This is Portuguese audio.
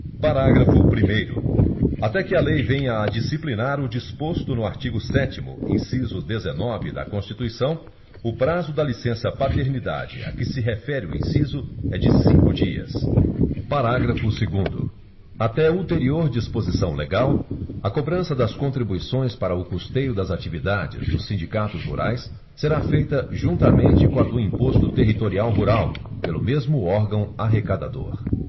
parágrafo primeiro até que a lei venha a disciplinar o disposto no artigo sétimo inciso dezenove da constituição o prazo da licença paternidade a que se refere o inciso é de cinco dias parágrafo segundo até ulterior disposição legal a cobrança das contribuições para o custeio das atividades dos sindicatos rurais será feita juntamente com a do imposto territorial rural pelo mesmo órgão arrecadador